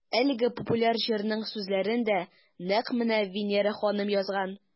Әлеге популяр җырның сүзләрен дә нәкъ менә Винера ханым язган.